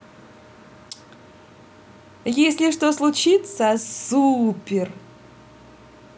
если что случится супер